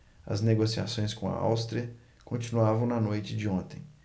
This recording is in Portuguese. as negociações com a áustria continuavam na noite de ontem